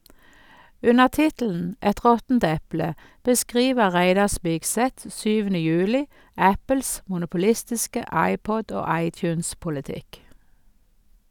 Under tittelen "Et råttent eple" beskriver Reidar Spigseth 7. juli Apples monopolistiske iPod- og iTunes-politikk.